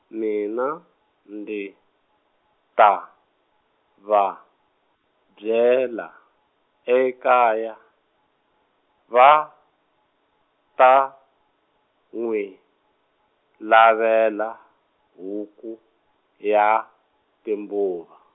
mina, ndzi, ta, va, byela, ekaya, va, ta, nwi, lavela, huku, ya, timbuva.